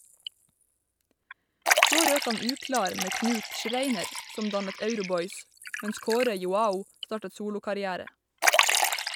Så røk han uklar med Knut Schreiner, som dannet Euroboys, mens Kåre Joao startet solokarriere.